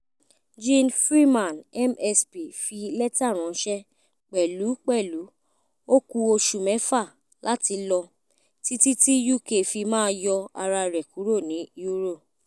Jeane Freeman MSP fi lẹ́tà ránṣẹ́ pẹ̀lú pẹ́lú ó kú oṣù mẹ́fà láti lọ títí tí UK fi máa yọ ara rẹ̀ kúrò ní EU.